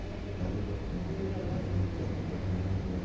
vali ham g'ildiragini aylantirib yonma yon borar